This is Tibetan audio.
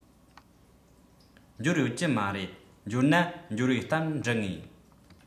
འབྱོར ཡོད ཀྱི མ རེད འབྱོར ན འབྱོར བའི གཏམ འབྲི ངེས